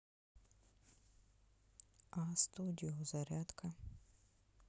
а студио зарядка